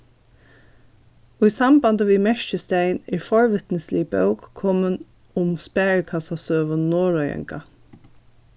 í sambandi við merkisdagin er forvitnislig bók komin um sparikassasøgu norðoyinga